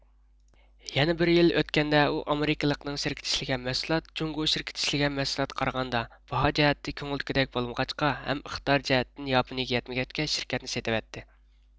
يەنە بىر يىل ئۆتكەندە ئۇ ئامېرىكىلىقنىڭ شىركىتى ئىشلىگەن مەھسۇلات جۇڭگو شىركىتىنىڭ ئىشلىگەن مەھسۇلاتىغا قارىغاندا باھا جەھەتتىن كۆڭۈلدىكىدەك بولمىغاچقا ھەم ئىقتىدارى جەھەتتىن ياپونىيىگە يەتمىگەچكە شىركەتنى سېتىۋەتتى